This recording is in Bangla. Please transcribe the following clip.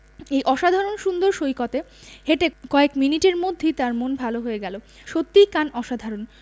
এই অসাধারণ সুন্দর সৈকতে হেঁটে কয়েক মিনিটের মধ্যেই তার মন ভালো হয়ে গেল সত্যিই কান অসাধারণ